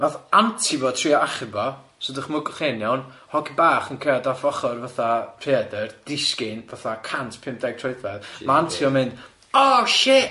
Nath anti fo trio achub o, so dychmygwch hyn iawn, hogyn bach yn cerddad off ochor fatha rheadr disgyn fatha cant pump deg troedfedd, ma' anti fo'n mynd, 'oh shit!'